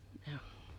ja